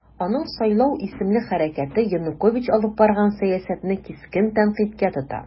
Аның "Сайлау" исемле хәрәкәте Янукович алып барган сәясәтне кискен тәнкыйтькә тота.